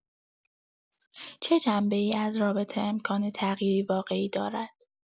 چه جنبه‌ای از رابطه امکان تغییری واقعی دارد؟